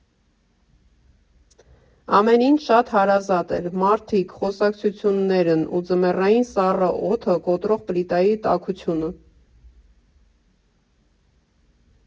Ամեն ինչ շատ հարազատ էր, մարդիկ, խոսակցություններն ու ձմեռային սառը օդը կոտրող պլիտայի տաքությունը։